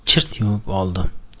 chirt yumib oldi